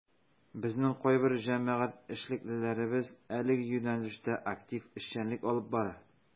Безнең кайбер җәмәгать эшлеклеләребез әлеге юнәлештә актив эшчәнлек алып бара.